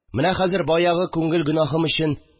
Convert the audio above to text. Менә хәзер баягы күңел гөнаһым өчен